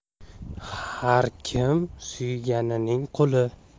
har kim suyganining quli